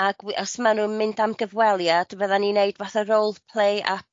ac we- os ma' nw'n mynd am gyfweliad fyddan ni'n neud fatha role play a